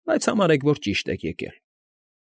Բայց համարեք, որ ճիշտ եք եկել։